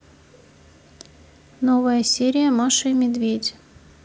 новая серия маша и медведь